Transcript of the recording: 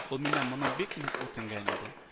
Ул миннән моны бик нык үтенгән иде